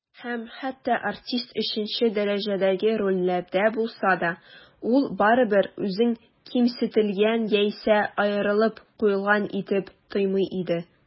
Һәм хәтта артист өченче дәрәҗәдәге рольләрдә булса да, ул барыбыр үзен кимсетелгән яисә аерылып куелган итеп тоймый иде.